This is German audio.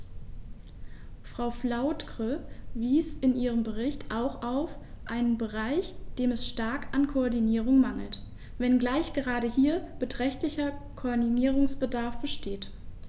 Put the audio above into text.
Frau Flautre verwies in ihrem Bericht auch auf einen Bereich, dem es stark an Koordinierung mangelt, wenngleich gerade hier beträchtlicher Koordinierungsbedarf besteht.